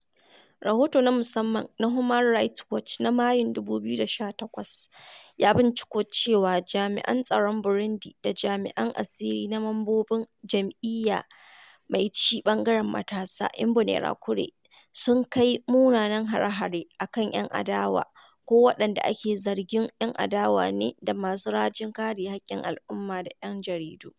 Rahoto na musamman na Human Right Watch na Mayun 2018 ya binciko cewa jami'an tsaron Burundi da jami'an asiri da mambobin jam'iyya mai ci ɓangaren matasa, Imbonerakure, sun kai munanan hare-hare a kan 'yan adawa ko waɗanda ake zargin 'yan adawa ne da masu rajin kare haƙƙin al'umma da 'yan jaridu.